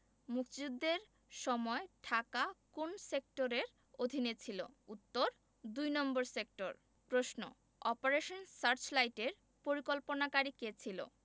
মুক্তিযুদ্ধের সময় ঢাকা কোন সেক্টরের অধীনে ছিলো উত্তর দুই নম্বর সেক্টর প্রশ্ন অপারেশন সার্চলাইটের পরিকল্পনাকারী কে ছিল